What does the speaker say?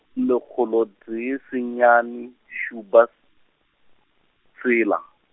lekgolo tee senyane šupa, tshela.